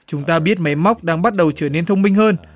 chúng ta biết máy móc đang bắt đầu trở nên thông minh hơn